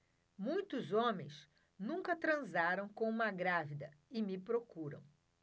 muitos homens nunca transaram com uma grávida e me procuram